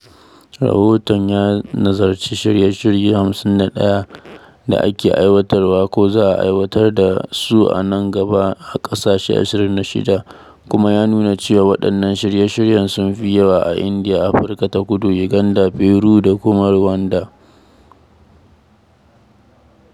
Rahoton ya nazarci shirye-shirye 51 da ake aiwatarwa ko za a aiwatar da su nan gaba a ƙasashe 26, kuma ya nuna cewa waɗannan shirye-shiryen sun fi yawa a Indiya, Afirka ta Kudu, Uganda, Peru, da kuma Rwanda.